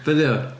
Be 'di o?